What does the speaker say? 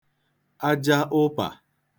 aja ụpà